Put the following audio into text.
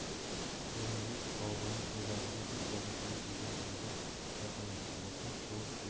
sherimbek boburning egariga bir qo'lini qo'yib yuzini unga yaqinlashtirdi da past tovush bilan